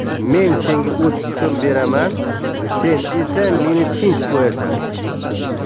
men senga o'ttiz so'm beraman sen esa meni tinch qo'yasan